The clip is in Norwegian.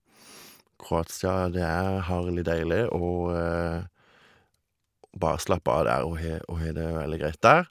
Kroatia, det er hærle deilig, å å bare slappe av der og ha og ha det veldig greit der.